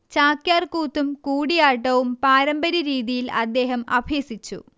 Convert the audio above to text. ചാക്യാർ കൂത്തും കൂടിയാട്ടവും പാരമ്പര്യ രീതിയിൽ അദ്ദേഹം അഭ്യസിച്ചു